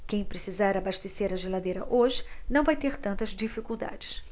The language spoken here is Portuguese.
quem precisar abastecer a geladeira hoje não vai ter tantas dificuldades